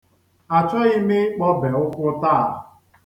Achọghị m ikpọbe ukwu taa.